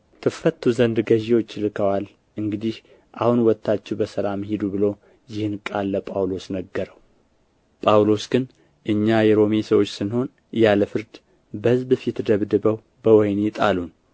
ትፈቱ ዘንድ ገዢዎቹ ልከዋል እንግዲህ አሁን ወጥታችሁ በሰላም ሂዱ ብሎ ይህን ቃል ለጳውሎስ ነገረው ጳውሎስ ግን እኛ የሮሜ ሰዎች ስንሆን ያለ ፍርድ በሕዝብ ፊት ደብድበው በወኅኒ ጣሉን